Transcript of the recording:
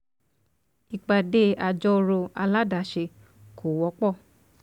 Ìpàdé àjọrò aládàáṣe kò wọ́pọ̀.